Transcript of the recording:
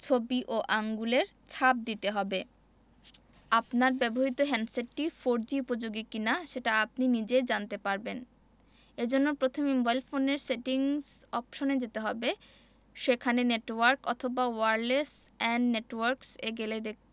আপনার ব্যবহৃত হ্যান্ডসেটটি ফোরজি উপযোগী কিনা সেটি আপনি নিজেই জানতে পারবেন এ জন্য প্রথমে মোবাইল ফোনের সেটিংস অপশনে যেতে হবে সেখানে নেটওয়ার্ক অথবা ওয়্যারলেস অ্যান্ড নেটওয়ার্কস এ গেলে